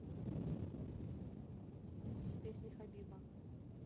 все песни хабиба